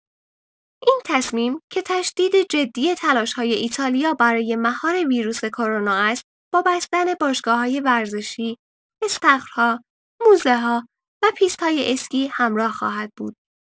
این تصمیم که تشدید جدی تلاش‌های ایتالیا برای مهار ویروس کرونا است با بستن باشگاه‌های ورزشی، استخرها، موزه‌ها و پیست‌های اسکی همراه خواهد بود.